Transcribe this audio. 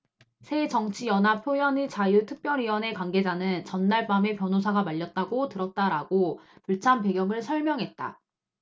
새정치연합 표현의자유특별위원회 관계자는 전날 밤에 변호사가 말렸다고 들었다라고 불참 배경을 설명했다